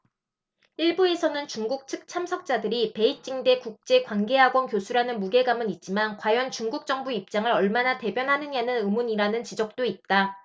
일부에서는 중국 측 참석자들이 베이징대 국제관계학원 교수라는 무게감은 있지만 과연 중국 정부 입장을 얼마나 대변하느냐는 의문이라는 지적도 있다